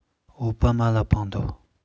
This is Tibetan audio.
ཨའོ པ མ ལ འཕངས འདོད